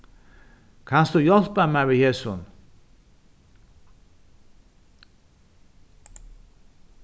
kanst tú hjálpa mær við hesum